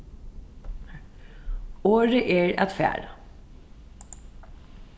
orðið er at fara